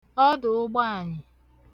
ọdụ̀ụgbọànyị̀